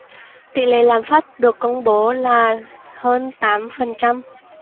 tỉ lệ lạm phát được công bố là hơn tám phần trăm